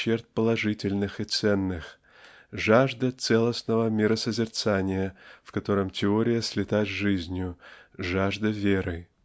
черт положительных и ценных--жажда целостного миросозерцания в котором теория слита с жизнью жажда веры.